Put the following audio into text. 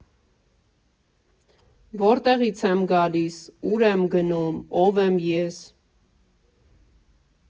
Որտեղի՞ց եմ գալիս, ու՞ր եմ գնում, ո՞վ եմ ես։